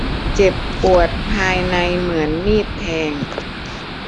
เจ็บปวดภายในเหมือนมีดแทง